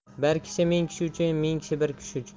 bir kishi ming kishi uchun ming kishi bir kishi uchun